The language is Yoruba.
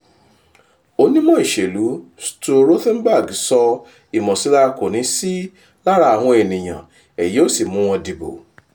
Onímọ̀ ìṣèlú Stu Rothenberg sọ “Ìmọ̀sílára kò ní í sí lára àwọn ènìyàn, èyí yóò sì mú wọn dìbò”